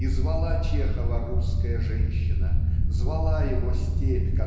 И звала Чехова русская женщина звала его степь